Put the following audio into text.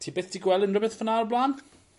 Ti byth 'di gweld unryw beth fel 'na o'r bla'n?